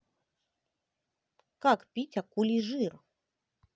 как пить акулий жир